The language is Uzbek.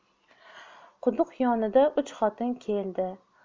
quduq yoniga uch xotin keldi